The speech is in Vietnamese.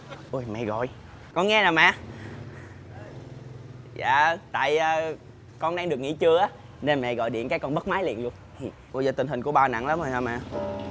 ôi mẹ gọi con nghe nè mẹ dạ tại con đang được nghỉ trưa á nên mẹ gọi điện cái con bắt máy liền luôn ủa giờ tình hình của ba nặng lắm rồi hả mẹ